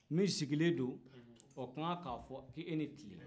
min sigilen do o ka kan k'a fɔ k'o e ni tile